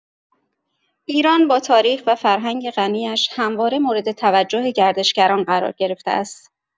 ایران با تاریخ و فرهنگ غنی‌اش همواره مورد توجه گردشگران قرار گرفته است.